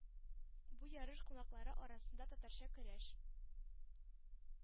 Бу ярыш кунаклары арасында татарча көрәш